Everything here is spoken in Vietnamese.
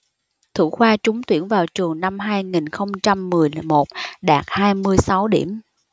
thủ khoa trúng tuyển vào trường năm hai nghìn không trăm mười một đạt hai mươi sáu điểm